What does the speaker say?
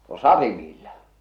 no satimilla